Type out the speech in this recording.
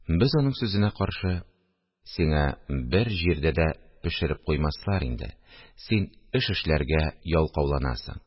Без аның сүзенә каршы: Сиңа бер җирдә дә пешереп куймаслар инде, син эш эшләргә ялкауланасың